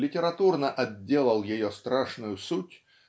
литературно отделал ее страшную суть